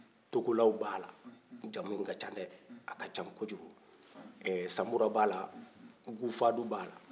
togolaw ba la jamuyin ka can dɛ a ka can kojugu ɛɛ samura b'a la gufadu b'a la